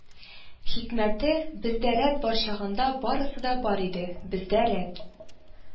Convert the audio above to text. Хикмәте, бездә рәт бар чагында барысы да бар иде, бездә рәт